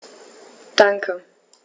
Danke.